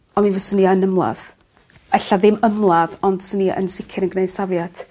On' mi fyswn i yn ymladd. Ella ddim ymladd ond swn i yn sicir yn gneud safiad.